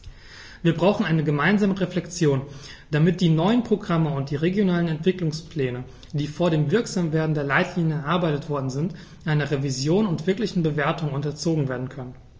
Wir brauchen eine gemeinsame Reflexion, damit die neuen Programme und die regionalen Entwicklungspläne, die vor dem Wirksamwerden der Leitlinien erarbeitet worden sind, einer Revision und wirklichen Bewertung unterzogen werden können.